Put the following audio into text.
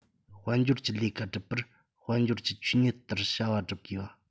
དཔལ འབྱོར གྱི ལས ཀ སྒྲུབ པར དཔལ འབྱོར གྱི ཆོས ཉིད ལྟར བྱ བ བསྒྲུབ དགོས པ